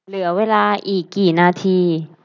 เหลือเวลาอีกกี่นาที